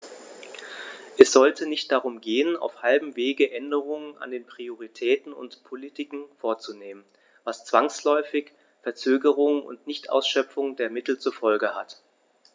Es sollte nicht darum gehen, auf halbem Wege Änderungen an den Prioritäten und Politiken vorzunehmen, was zwangsläufig Verzögerungen und Nichtausschöpfung der Mittel zur Folge hat.